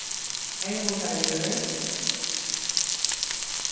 hermundarjørð